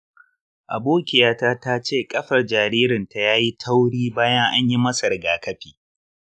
abokiyata ta ce ƙafar jaririnta ya yi tauri bayan an yi masa rigakafi.